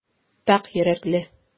Пакь йөрәкле.